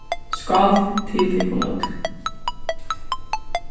skál til tykkum øll